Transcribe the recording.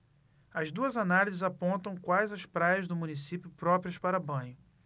as duas análises apontam quais as praias do município próprias para banho